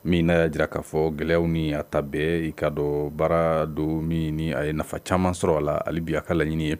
Min'a y'a jira k'a fɔ gɛlɛyaw ni'a ta bɛɛ i ka dɔn baara don min ɲini a ye nafa caman sɔrɔ abi' la ɲiniɲini ye